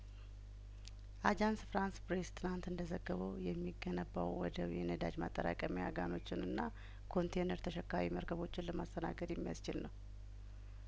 አጃንስ ፍራንስ ፕሬስ ትናንት እንደዘገበው የሚገነባው ወደብ የነዳጅ ማጠራቀሚያ ጋኖችንና ኮንቴነር ተሸካሚ መርከቦችን ለማስተናገድ የሚያስችል ነው